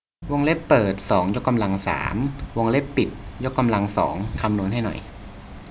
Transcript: วงเล็บเปิดสองยกกำลังสามวงเล็บปิดยกกำลังสองคำนวณให้หน่อย